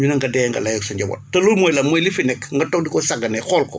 ñu ne nga dee nga layoog sa njaboot te loolu mooy lan mooy li fi nekk nga toog di ko sagganee xool ko